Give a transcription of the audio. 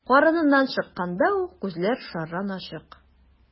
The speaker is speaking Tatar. Карыныннан чыкканда ук күзләр шәрран ачык.